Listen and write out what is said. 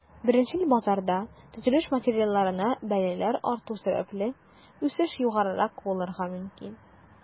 Беренчел базарда, төзелеш материалларына бәяләр арту сәбәпле, үсеш югарырак булырга мөмкин.